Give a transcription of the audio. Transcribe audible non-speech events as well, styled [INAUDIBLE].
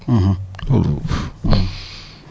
[HESITATION] [HESITATION] [BREATH]